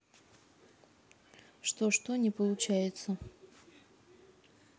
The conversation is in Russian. что что то не получается